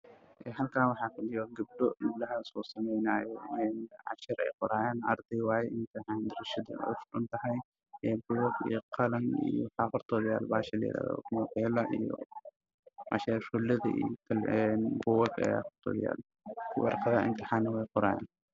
Waa isku dugsi sare ah waxaa fadhiya gabdho waxa ay qaadanayaan casharo waxay wataan xijaaba cadeys ah qalimanaya cashar ku qorayaan